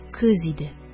Көз иде.